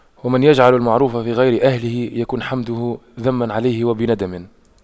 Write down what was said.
ومن يجعل المعروف في غير أهله يكن حمده ذما عليه ويندم